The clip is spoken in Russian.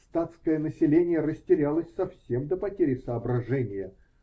статское население растерялось совсем до потери соображения